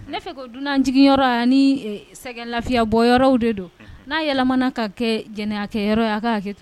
Ne fɛ ko dunanjigiyɔrɔ a ni sɛgɛlafiyɛnbɔyɔrɔw de don; unhun ; n'a yɛlɛmana ka kɛ jɛnɛyakɛyɔrɔ ye, a ka hakɛ kɛ to.